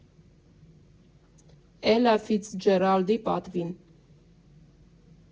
Էլլա Ֆիցջերալդի պատվին։